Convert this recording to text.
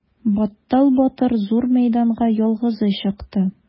Баттал батыр зур мәйданга ялгызы чыкты.